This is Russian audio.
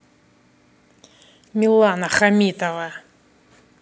милана хамитова